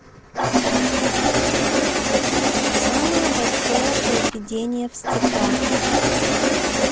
самое большое произведение в стихах